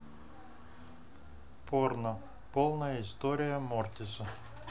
порно полная история мортиса